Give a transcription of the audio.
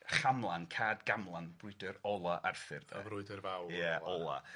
Chamlan, Cad Gamlan, brwydyr ola Arthur 'de. Y frwydyr fawr... Ia... ...ola... ...ola.